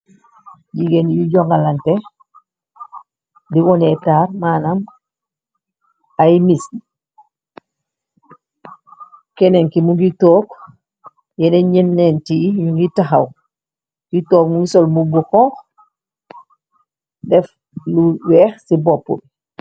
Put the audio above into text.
Jigéen yu jongalante di woneetaar, maanam ay mis, kenenki mu ngiy took yeneen ñenleentii ñu ngiy taxaw, yi took mu ngi sol bu mbobu bu konko def lu weex ci bopp bi.